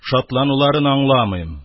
Шатлануларын аңламыйм,